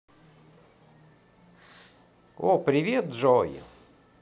о привет джой